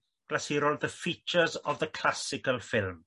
glasurol the features of the clasical film.